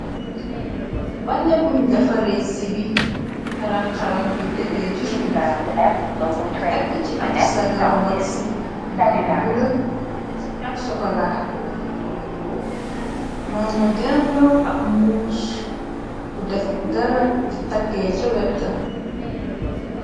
Bale buñ dafare sebi xarang xarang buye tëdee se suuf nu take ci ab sagaru wakse bu ham bulo ak sokolaa mugu deendoog ab muss bu defut dara de takkee ca wetga.